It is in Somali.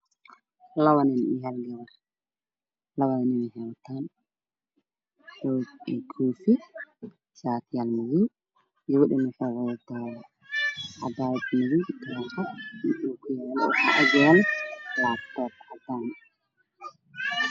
Waa labo nin iyo hal gabar. Labada nin waxay wataan koofi iyo shaatiyo madow. Gabadhana waxay wadataa cabaayad madow iyo taraaxad iyo ookiyaalo waxaa agyaalo laabtoob cadaan ah.